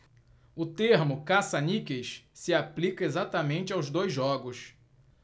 o termo caça-níqueis se aplica exatamente aos dois jogos